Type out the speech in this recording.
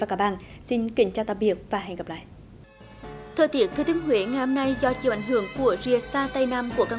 và cả bằng xin kính chào tạm biệt và hẹn gặp lại thời tiết thừa thiên huế ngày hôm nay do chịu ảnh hưởng của rìa xa tây nam của cơn